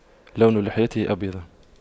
لون لحيته أبيض